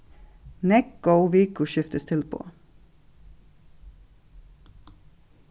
nógv góð vikuskiftistilboð